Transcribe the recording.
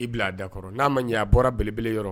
I bila a da kɔrɔ n'a ma ɲɛ aa bɔra bbele yɔrɔ